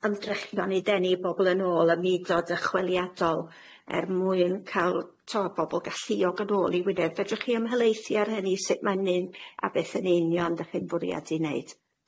ymdrechion i denu bobol yn ôl a mudodd dychweiladol er mwyn ca'l t'wo' bobol galluog yn ôl i Wynedd fedrwch chi ymhelaethu ar hynny sut mae'n myn- a beth yn union dach chi'n bwriadu neud.